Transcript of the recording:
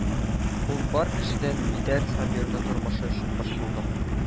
Ул бар кешедән битәр Сабирның тормышы өчен борчылды